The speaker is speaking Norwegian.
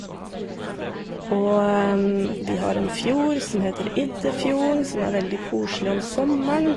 Og vi har en fjord som heter Iddefjorden, som er veldig koselig om sommeren.